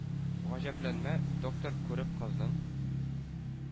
Гаҗәпләнмә, доктор, күреп кызның